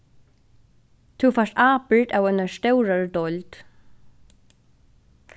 tú fært ábyrgd av einari stórari deild